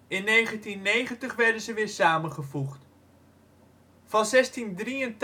In 1990 werden ze weer samengevoegd. Van 1683-1685